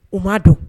U ma don